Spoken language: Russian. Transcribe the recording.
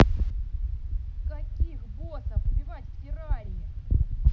каких боссов убивать в терарии